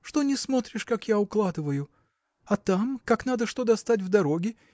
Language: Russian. – Что не смотришь, как я укладываю? А там как надо что достать в дороге